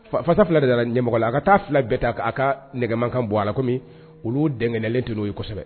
Fasa fila de ɲɛmɔgɔ la a ka taa fila bɛɛ ta'a ka nɛgɛmakan bɔ a kɔmi olu dɛglen tun o yesɛbɛ